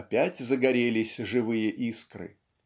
опять загорелись живые искры.